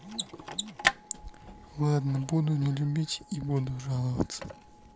ладно буду не любить и буду жаловаться